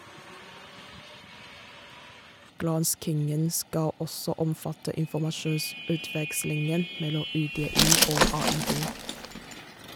Granskingen skal også omfatte informasjonsutvekslingen mellom UDI og AID.